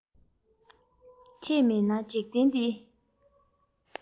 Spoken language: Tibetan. ཁྱེད མེད ན འཇིག རྟེན འདི